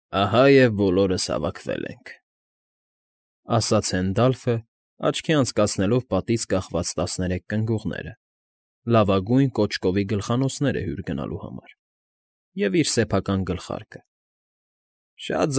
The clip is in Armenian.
Ահա և բոլորս հավաքվել ենք, ֊ ասաց Հենդալֆը՝ աչքի անցկացնելով պատից կախված տասներեք կնգուղները (լավագույն կոճկովի գլխանոցները հյուր գնալու համար) և իր սեփական գլխարկը։ ֊ Շատ։